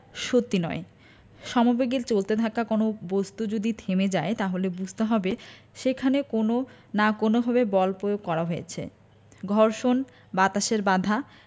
সত্যি নয় সমবেগে চলতে থাকা কোনো বস্তু যদি থেমে যায় তাহলে বুঝতে হবে সেখানে কোনো না কোনোভাবে বল পয়োগ করা হয়েছে ঘর্ষণ বাতাসের বাধা